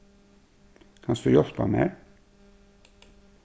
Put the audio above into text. kanst tú hjálpa mær